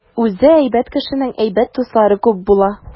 Үзе әйбәт кешенең әйбәт дуслары күп була.